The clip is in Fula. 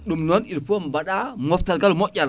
ɗum noon il faut mbaɗa moftargal moƴƴal